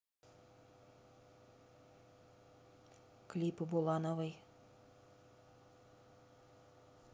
клипы булановой